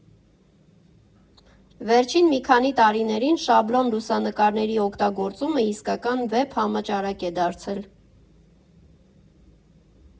Վերջին մի քանի տարիներին շաբլոն լուսանկարների օգտագործումը իսկական վեբ համաճարակ է դարձել։